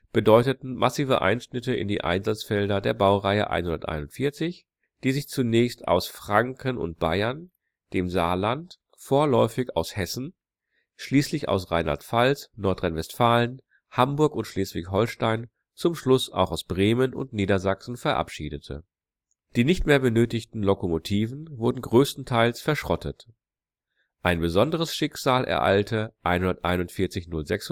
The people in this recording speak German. bedeuteten massive Einschnitte in die Einsatzfelder der Baureihe 141, die sich zunächst aus Franken und Bayern, dem Saarland, vorläufig aus Hessen, schließlich aus Rheinland-Pfalz, Nordrhein-Westfalen, Hamburg und Schleswig-Holstein, zum Schluss auch aus Bremen und Niedersachsen verabschiedete. Die nicht mehr benötigten Lokomotiven wurden größtenteils verschrottet. Ein besonderes Schicksal ereilte 141 046